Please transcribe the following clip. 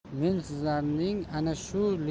men sizlarning ana shu